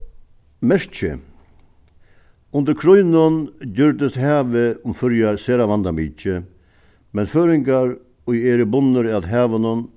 merkið undir krígnum gjørdist havið um føroyar sera vandamikið men føroyingar ið eru bundnir at havinum